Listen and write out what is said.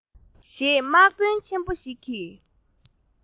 ཞེས དམག དཔོན ཆེན པོ ཞིག གིས